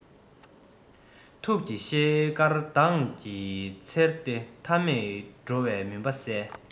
ཐུགས ཀྱི ཤེལ དཀར མདངས ཀྱིས འཚེར ཏེ མཐའ མེད འགྲོ བའི མུན པ བསལ